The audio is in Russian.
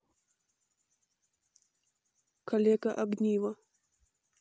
калека огниво